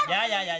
dạ dạ dạ dạ